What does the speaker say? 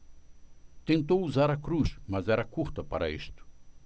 tentou usar a cruz mas era curta para isto